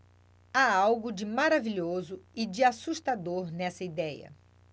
há algo de maravilhoso e de assustador nessa idéia